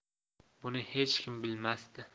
buni hech kim bilmasdi